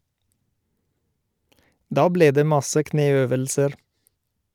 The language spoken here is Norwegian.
- Da ble det masse kneøvelser.